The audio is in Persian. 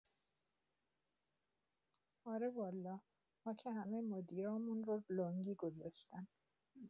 آره والا ما که همه مدیرامون رو لنگی گذاشتن